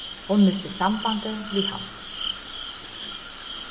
hon misti sambandið við hann